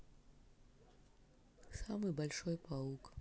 самый большой паук